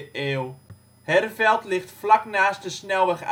eeuw. Herveld ligt vlak naast de snelweg